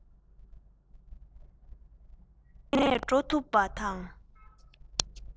འདི ནས འགྲོ ཐུབ པ དང